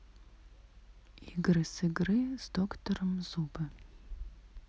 игры с игры с доктором зубы